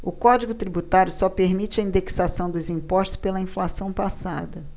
o código tributário só permite a indexação dos impostos pela inflação passada